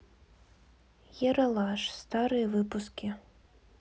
ералаш старые выпуски